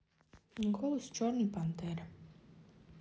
голос черной пантеры